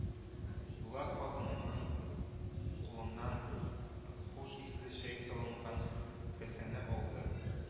Булат хатынының кулыннан хуш исле чәй салынган касәне алды